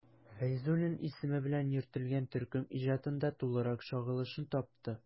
Фәйзуллин исеме белән йөртелгән төркем иҗатында тулырак чагылышын тапты.